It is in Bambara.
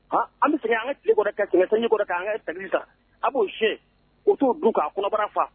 An bɛ segin an tile' an ka sa a b'o sen u t'u du k'a kubara faga